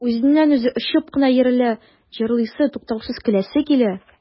Үзеннән-үзе очып кына йөрелә, җырлыйсы, туктаусыз көләсе килә.